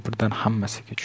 birdan hammasiga tushundi